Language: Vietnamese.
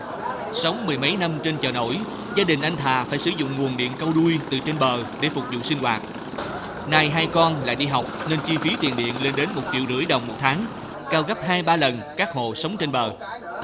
sống mười mấy năm trên chợ nổi gia đình anh hà phải sử dụng nguồn điện câu đuôi từ trên bờ để phục vụ sinh hoạt này hay con lại đi học nên chi phí tiền điện lên đến một triệu rưỡi đồng một tháng cao gấp hai ba lần các hộ sống trên bờ